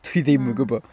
Dwi ddim yn gwbod!